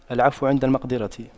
العفو عند المقدرة